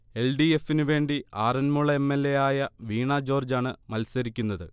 L. D. എഫിന് വേണ്ടി Aranmula M. L. എയായ വീണ ജോർജാണ് മത്സരിക്കുന്നത്